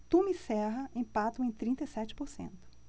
tuma e serra empatam em trinta e sete por cento